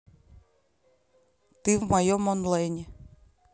ты в моем онлайне